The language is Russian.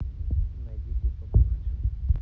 найди где покушать